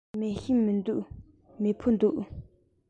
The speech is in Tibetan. མེ ཤིང མི འདུག མེ ཕུ འདུག